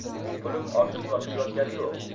pulim oshib toshib yotgani yo'q